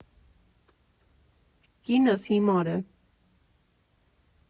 Կինս հիմար է։